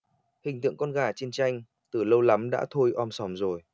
hình tượng con gà trên tranh từ lâu lắm đã thôi om sòm rồi